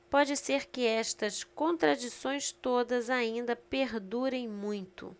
pode ser que estas contradições todas ainda perdurem muito